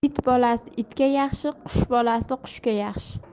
it bolasi itga yaxshi qush bolasi qushga yaxshi